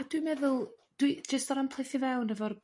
A dwi meddwl dwi... jest o ran plethu fewn efo'r